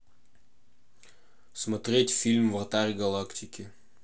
смотреть фильм вратарь галактики